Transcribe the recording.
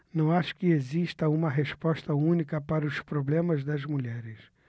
não acho que exista uma resposta única para os problemas das mulheres